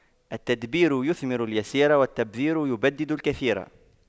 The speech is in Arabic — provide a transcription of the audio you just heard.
التدبير يثمر اليسير والتبذير يبدد الكثير